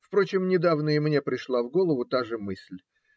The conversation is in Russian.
Впрочем, недавно и мне пришла в голову та же мысль.